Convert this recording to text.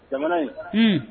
Jamana ye h